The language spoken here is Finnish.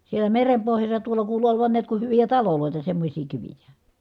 siellä meren pohjassa tuolla kuului olevan näet kun hyviä taloja semmoisia kiviä